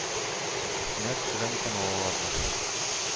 Исенә төшерә микән ул аларны,